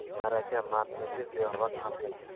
ma'raka mardniki ziyofat xalqniki